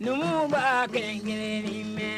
Numu b'a kɛ gɛlɛn mɛn